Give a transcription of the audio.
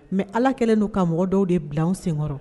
Mɛ ala kɛlen n'u ka mɔgɔ dɔw de bila anw senkɔrɔ